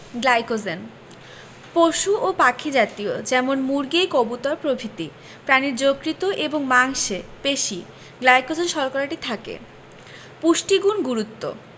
glycogen পশু ও পাখি জাতীয় যেমন মুরগি কবুতর প্রভৃতি প্রাণীর যকৃৎ এবং মাংসে পেশি গ্লাইকোজেন শর্করাটি থাকে পুষ্টিগত গুরুত্ব